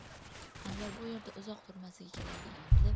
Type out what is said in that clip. anvar bu yerda uzoq turmasligi kerakligini bilib